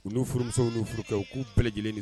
U' furumisɛnw'u furu kɛ u'u bɛɛ lajɛlen ni